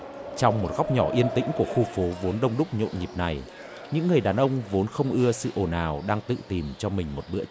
trong một góc nhỏ yên tĩnh của khu phố vốn đông đúc nhộn nhịp này những người đàn ông vốn không ưa sự ồn ào đang tự tìm cho mình một bữa trưa